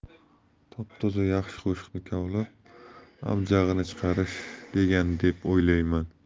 top toza yaxshi qo'shiqni kavlab abjag'ini chiqarish degani deb o'ylayman